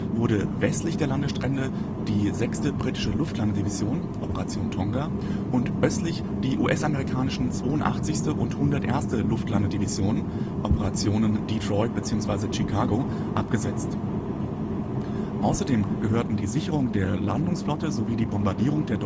wurde westlich der Landestrände die 6. Britische Luftlandedivision (Operation Tonga) und östlich die US-amerikanischen 82. und 101. Luftlandedivisionen (Operationen Detroit bzw. Chicago) abgesetzt. Außerdem gehörten die Sicherung der Landungsflotte sowie die Bombardierung der